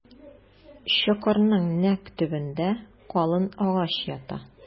Чокырның нәкъ төбендә калын агач ята.